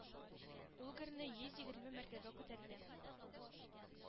Ул герне йөз егерме мәртәбә күтәрде